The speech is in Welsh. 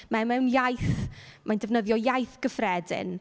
Mae mewn iaith... mae'n defnyddio iaith gyffredin.